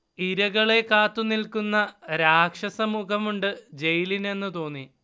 ഇരകളെ കാത്തുനിൽക്കുന്ന രാക്ഷസ മുഖമുണ്ട് ജയിലിനെന്ന് തോന്നി